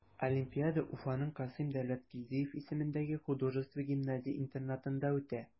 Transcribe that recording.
Олимпиада Уфаның Касыйм Дәүләткилдиев исемендәге художество гимназия-интернатында үтә.